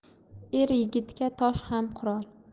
er yigitga tosh ham qurol